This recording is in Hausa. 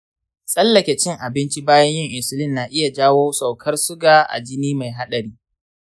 tsallake cin abinci bayan yin insulin na iya jawo saukar suga a jini mai haɗari.